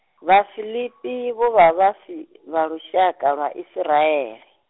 Vhafilipi vho vha vhasi, vha lushaka lwa Isiraele.